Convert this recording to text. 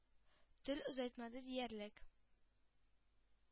Тел озайтмады диярлек.